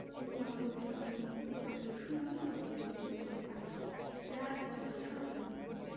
প্রথম আলো হতে সংগৃহীত প্রকাশের সময় ১৭ জুলাই ২০১৮ রাত ১০টা ১৭ মিনিট